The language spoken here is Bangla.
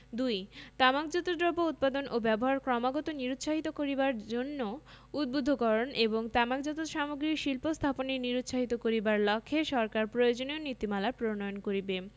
২ তামাকজাত দ্রব্য উৎপাদন ও ব্যবহার ক্রমাগত নিরুৎসাহিত করিবার জন্য উদ্বুদ্ধকরণ এবং তামাকজাত সামগ্রীর শিল্প স্থাপনে নিরুৎসাহিত করিবার লক্ষ্যে সরকার প্রয়োজনীয় নীতিমালা প্রণয়ন করিবে